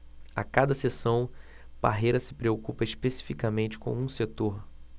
a cada sessão parreira se preocupa especificamente com um setor